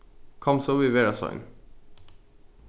kom so vit verða sein